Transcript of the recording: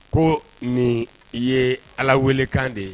Ko nin ye Ala welekan de